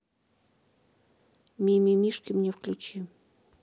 ми ми мишки мне включи